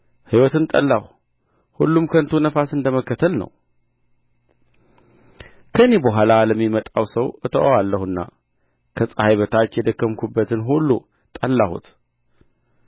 ሕይወትን ጠላሁ ሁሉም ከንቱ ነፋስንም እንደ መከተል ነው ከእኔ በኋላ ለሚመጣው ሰው እተወዋለሁና ከፀሐይ በታች የደከምሁበትን ሁሉ ጠላሁት